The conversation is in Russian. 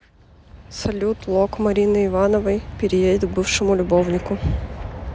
салют лок марины ивановой переедет к бывшему любовнику